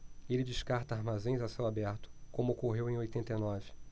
ele descarta armazéns a céu aberto como ocorreu em oitenta e nove